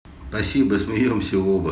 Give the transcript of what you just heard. спасибо смеемся оба